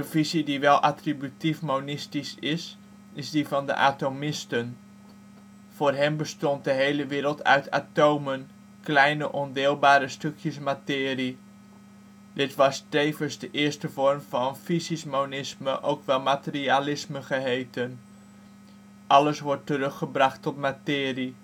visie die wel attributief monistisch is, is die van de atomisten. Voor hen bestond de hele wereld uit atomen, kleine ondeelbare stukjes materie. Dit was tevens de eerste vorm van fysisch monisme (ook wel materialisme geheten): alles wordt teruggebracht tot materie